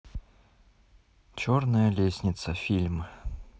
черная лестница фильм